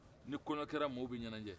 ni kɔɲɔ kɛra maaw bɛ ɲɛnɛjɛ